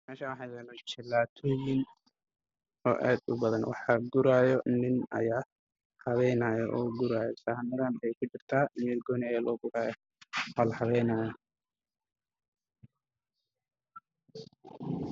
Waa kusheen cunto ayaa lagu karanayaa waana bur sambuus ah qof ayaa gacanta qaado kula jiro